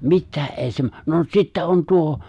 mitään ei sen no sitten on tuo